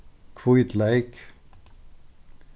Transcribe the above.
hvítleyk